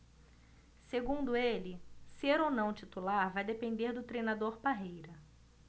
segundo ele ser ou não titular vai depender do treinador parreira